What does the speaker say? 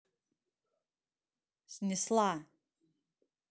снесла